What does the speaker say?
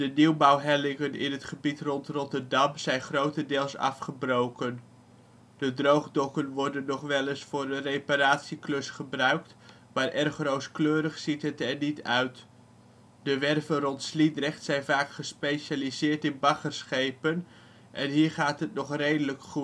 nieuwbouwhellingen in het gebied rond Rotterdam zijn grotendeels afgebroken; de droogdokken worden nog wel eens voor een reparatieklus gebruikt, maar erg rooskleurig ziet het er niet uit. De werven rond Sliedrecht zijn vaak gespecialiseerd in baggerschepen en hier gaat het nog redeljk